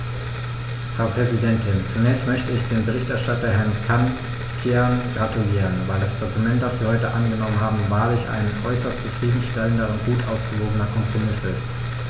Frau Präsidentin, zunächst möchte ich dem Berichterstatter Herrn Cancian gratulieren, weil das Dokument, das wir heute angenommen haben, wahrlich ein äußerst zufrieden stellender und gut ausgewogener Kompromiss ist.